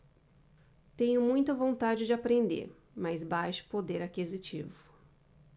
tenho muita vontade de aprender mas baixo poder aquisitivo